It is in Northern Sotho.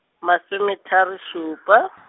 masometharo šupa.